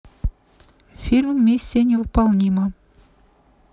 фильм миссия невыполнима